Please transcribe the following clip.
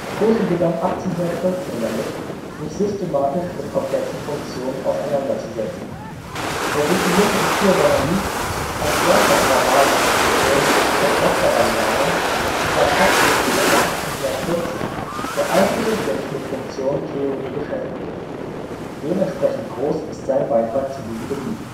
Cauchy begann 1814 damit, sich systematisch mit komplexen Funktionen auseinanderzusetzen. Er definierte im Cours d’ Analyse als erster formal eine Funktion komplexer Variablen und war faktisch bis etwa 1840 der einzige, der sich mit Funktionentheorie beschäftigte. Dementsprechend groß ist sein Beitrag zu diesem Gebiet